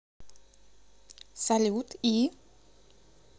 салют и